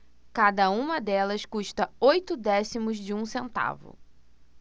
cada uma delas custa oito décimos de um centavo